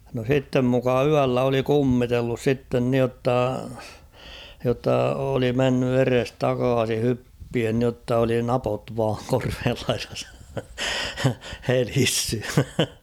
no sitten muka yöllä oli kummitellut sitten niin jotta jotta oli mennyt edestakaisin hyppien niin jotta oli napot vain korveen laidassa helissyt